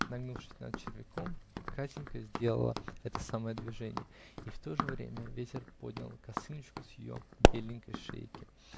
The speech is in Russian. Нагнувшись над червяком, Катенька сделала это самое движение, и в то же время ветер поднял косыночку с ее беленькой шейки.